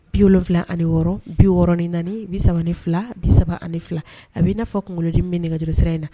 76 64 32 32. A bi na fɔ kunkolodimin bi nɛgɛju sira in na.